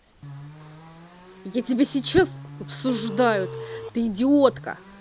я тебя сейчас обсуждают ты идиотка